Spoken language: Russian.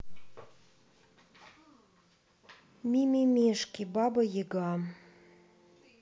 мимимишки баба яга